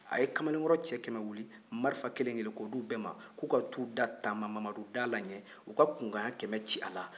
a ye kamalenkɔrɔ cɛ kɛmɛ wuli marifa kelen-kelen k'o di u bɛɛ ma k'u ka taa u da tanba mamadu dala ɲɛ u ka kunkan ɲɛ kɛmɛ ci a la